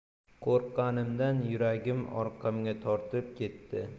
qo'rqqanimdan yuragim orqamga tortib ketdi